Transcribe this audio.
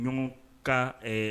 Ɲɔn ka